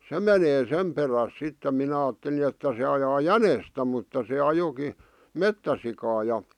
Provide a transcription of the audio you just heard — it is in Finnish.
se menee sen perässä sitten minä ajattelin että se ajaa jänistä mutta se ajoikin metsäsikaa ja